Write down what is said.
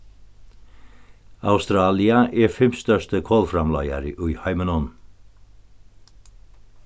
australia er fimtstørsti kolframleiðari í heiminum